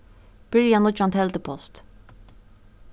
byrja nýggjan teldupost